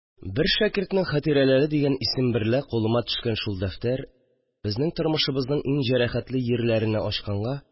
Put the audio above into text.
«бер шәкертнең хатирәләре» исеме берлә кулыма төшкән шул дәфтәр безнең тормышымызның иң җәрәхәтле җирләрене ачканга